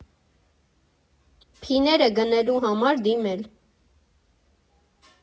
Փիները գնելու համար դիմել՝